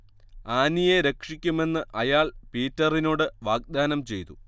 ആനിയെ രക്ഷിക്കുമെന്ന് അയാൾ പീറ്ററിനോട് വാഗ്ദാനം ചെയ്തു